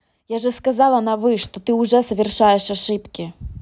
я же сказала на вы ты что уже совершаешь ошибки